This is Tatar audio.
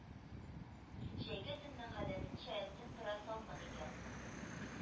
Җәйге төннең гадәтенчә, төн бераз салкын икән;